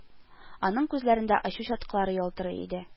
Аның күзләрендә ачу чаткылары ялтырый иде